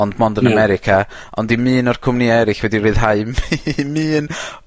ond mond yn America, ond dim un o'r cwmnïa' eryll wedi rhyddhau 'm 'im un